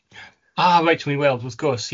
Ah reit, 'wi'n weld, wrth gwrs, ie.